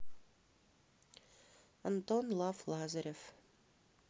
антон лав лазарев